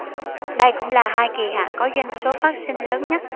đây cũng là hai kỳ hạn có doanh số phát sinh lớn nhất